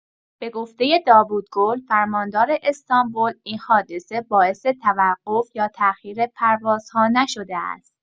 به گفته داوود گل، فرماندار استانبول، این حادثه باعث توقف یا تاخیر پروازها نشده است.